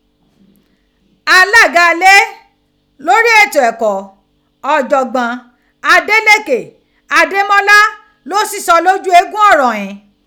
Alaga ile lori eto ẹkọ, Ọjọgbọn Adélékè Adémọ́lá lo ṣiṣọ loju eegun ọrọ ghin.